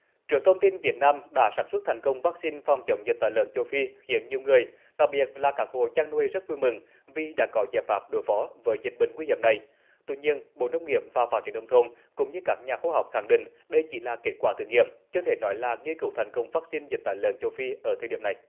trước thông tin việt nam đã sản xuất thành công vắc xin phòng chống dịch tả lợn châu phi khiến nhiều người đặc biệt là các hộ chăn nuôi rất vui mừng vì đã có giải pháp đối phó với dịch bệnh nguy hiểm này tuy nhiên bộ nông nghiệp và phát triển nông thôn cũng như các nhà khoa học khẳng định đây chỉ là kết quả thử nghiệm chưa thể nói là nghiên cứu thành công vắc xin dịch tả lợn châu phi ở thời điểm này